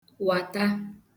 wàta